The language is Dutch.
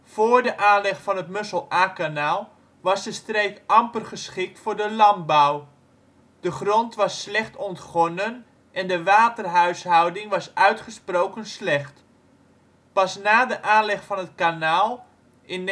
Voor de aanleg van het Mussel-Aa-kanaal was de streek amper geschikt voor de landbouw. De grond was slecht ontgonnen en de waterhuishouding was uitgesproken slecht. Pas na de aanleg van het kanaal, in